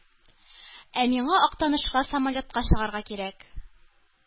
Ә миңа Актанышка самолетка чыгарга кирәк.